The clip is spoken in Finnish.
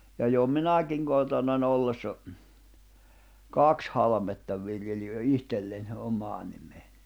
ja jo minäkin kotona ollessa kaksi halmetta viljelin jo itselle omaan nimeen